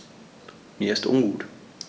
Mir ist ungut.